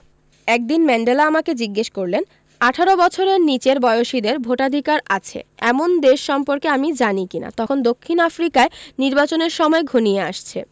১৮ বছরের নিচের বয়সীদের ভোটাধিকার আছে এমন দেশ সম্পর্কে আমি জানি কি না তখন দক্ষিণ আফ্রিকায় নির্বাচনের সময় ঘনিয়ে আসছে